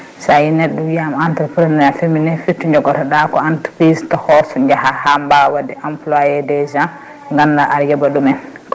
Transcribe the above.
sa yi neɗɗo wiyama entreprnariat féminin firti jogotoɗa ko entreprise tokoso jaaha ha mbawa wadde employé des gens ganda aɗa yooɓa ɗumen